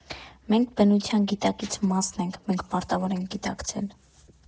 Մենք բնության գիտակից մասն ենք, մենք պարտավոր ենք գիտակցել։